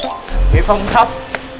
hiệp không khóc